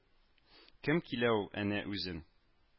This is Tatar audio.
Кем килә ул әнә үзен